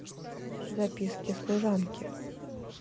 записки служанки